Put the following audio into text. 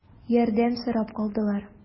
Ярдәм сорап калдылар.